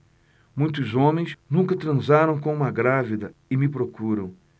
muitos homens nunca transaram com uma grávida e me procuram